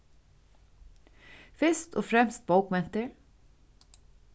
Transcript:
fyrst og fremst bókmentir